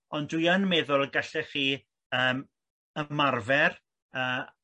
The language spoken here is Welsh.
ond dwi yn meddwl gallech chi yym marfer yy